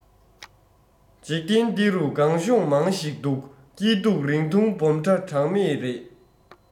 འཇིག རྟེན འདི རུ སྒང གཤོང མང ཞིག འདུག སྐྱིད སྡུག རིང ཐུང སྦོམ ཕྲ གྲངས མེད རེད